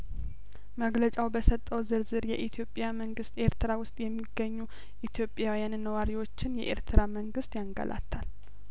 መግለጫው በሰጠው ዝርዝር የኢትዮጵያ መንግስት ኤርትራ ውስጥ የሚገኙ ኢትዮጵያዊያን ነዋሪዎችን የኤርትራ መንግስት ያንገላታል